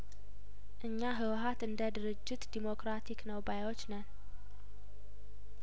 እኛ ህወሀት እንደድርጅት ዴሞክራቲክ ነው ባዮች ነን